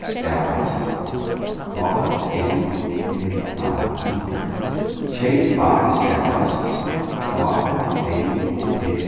stavast k ey p a umaftur keypa stavast k ey p